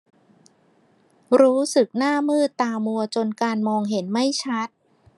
รู้สึกหน้ามืดตามัวจนการมองเห็นไม่ชัด